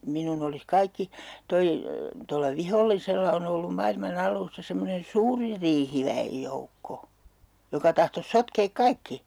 minun olisi kaikki tuo tuolla vihollisella on ollut maailman alusta semmoinen suuri riihiväen joukko joka tahtoisi sotkea kaikki